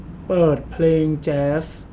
เปิดเพลงแจ๊ส